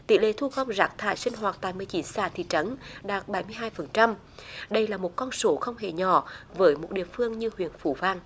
tỷ lệ thu gom rác thải sinh hoạt tại mười chín xã thị trấn đạt bảy mươi hai phần trăm đây là một con số không hề nhỏ với một địa phương như huyện phú vang